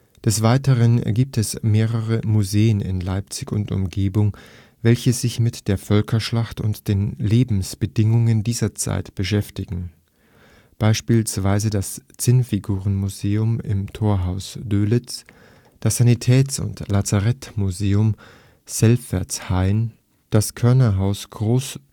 Des Weiteren gibt es mehrere Museen in Leipzig und Umgebung, welche sich mit der Völkerschlacht und den Lebensbedingungen dieser Zeit beschäftigen, beispielsweise das Zinnfigurenmuseum im Torhaus Dölitz, das Sanitäts - und Lazarettmuseum Seifertshain, das Körnerhaus Großzschocher